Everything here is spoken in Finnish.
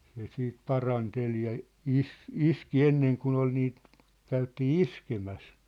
se sitten paranteli ja - iski ennen kuin oli niitä käytiin iskemässä